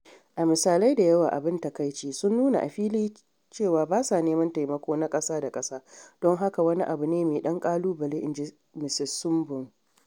“A misalai da yawa, abin takaici, sun nuna a fili cewa ba sa neman taimako na ƙasa-da-ƙasa, don haka wani abu ne mai ɗan ƙalubale,” inji Misis Sumbung.